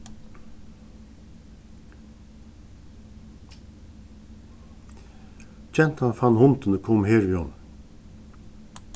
gentan fann hundin og kom her við honum